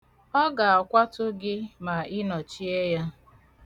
Ọ ga-akwatu gị ma ị nọchie ya.